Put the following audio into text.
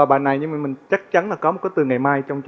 bài này nhưng mình chắc chắn là có một cái từ ngày mai trong